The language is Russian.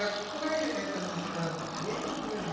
- Какое это наслаждение